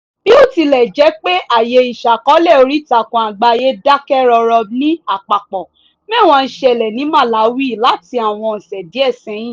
Bí ó tilẹ̀ jẹ́ pé àyè ìṣàkọọ́lẹ̀ oríìtakùn àgbáyé dákẹ́ rọ́rọ́ ní àpapọ̀, mẹ́wàá ń ṣẹlẹ̀ ní Malawi láti àwọn ọ̀sẹ̀ díẹ̀ sẹ́yìn.